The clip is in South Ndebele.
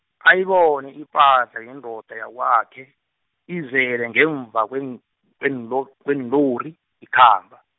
ayibone ipahla yendoda yakwakhe, izele ngemva kwen- kwenlo-, kweenlori, ikhamba.